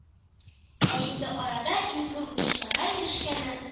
Ә инде арада иң зур уңышларга ирешкәне